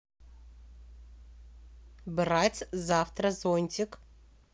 брать завтра зонтик